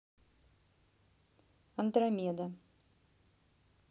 андромеда